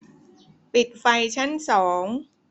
ปิดไฟชั้นสอง